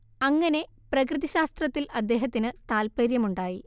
അങ്ങനെ പ്രകൃതി ശാസ്ത്രത്തിൽ അദ്ദേഹത്തിന് താല്പര്യമുണ്ടായി